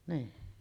niin